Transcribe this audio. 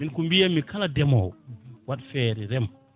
min ko mbiyanmi kala ndeemowo watt feere reem